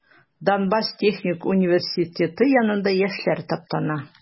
Донбасс техник университеты янында яшьләр таптана.